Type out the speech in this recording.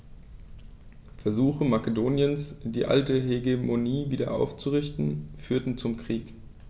Versuche Makedoniens, die alte Hegemonie wieder aufzurichten, führten zum Krieg.